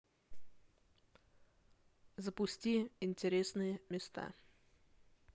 запусти интересные места